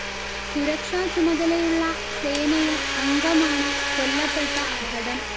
സുരക്ഷാച്ചുമതലയുള്ള സേനയില് അംഗമാണ് കൊല്ലപ്പെട്ട ഭടൻ